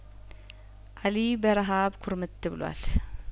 አሊ በረሀብ ኩርምት ብሏል